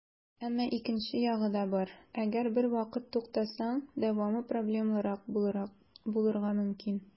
Әмма икенче ягы да бар - әгәр бервакыт туктасаң, дәвамы проблемалырак булырга мөмкин.